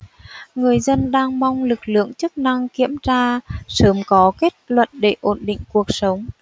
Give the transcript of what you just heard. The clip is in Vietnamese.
người dân đang mong lực lượng chức năng kiểm tra sớm có kết luận để ổn định cuộc sống